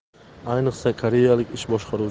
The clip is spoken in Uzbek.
ayniqsa koreyalik ish